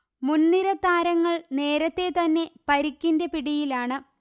മുന്നിര താരങ്ങൾ നേരത്തെതന്നെ പരിക്കിന്റെ പിടിയിലാണ്